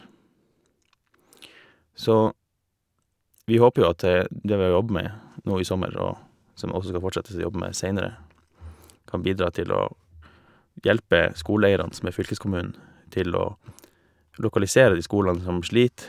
Så vi håper jo at det vi har jobba med nå i sommer og som også skal fortsettes å jobbe med seinere, kan bidra til å hjelpe skoleeierne, som er fylkeskommunen, til å lokalisere de skolene som sliter.